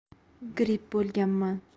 gripp bo'lganman